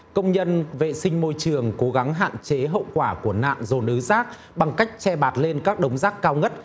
công nhân vệ sinh môi trường cố gắng hạn chế hậu quả của nạn dồn ứ rác bằng cách che bạt lên các đống rác cao ngất